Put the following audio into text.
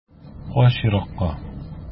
Кач еракка.